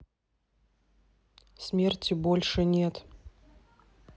смерти больше нет